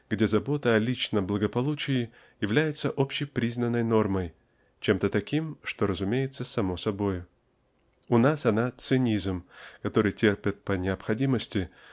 где забота о личном благополучии является общепризнанной нормой чем-то таким что разумеется само собою. У нас она -- цинизм который терпят по необходимости